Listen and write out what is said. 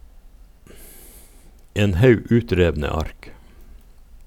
En haug utrevne ark.